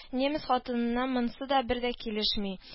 Немец хатынына монсы бер дә килешми